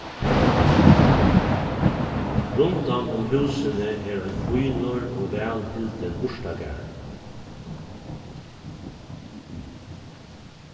rundan um húsini er ein fínur og væl hildin urtagarður